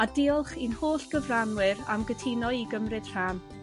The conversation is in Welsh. a diolch i'n holl gyfranwyr am gytuno i gymryd rhan.